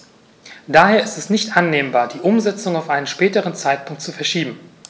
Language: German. Daher ist es nicht annehmbar, die Umsetzung auf einen späteren Zeitpunkt zu verschieben.